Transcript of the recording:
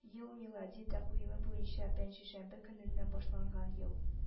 Ел – милади тәкъвиме буенча пәнҗешәмбе көненнән башланган ел